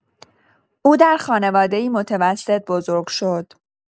او در خانواده‌ای متوسط بزرگ شد.